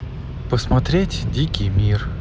посмотреть дикий мир